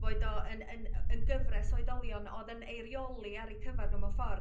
boed o yn yn gyfres o oedolion o'dd yn eirioli ar eu cyfar n'w mewn ffor'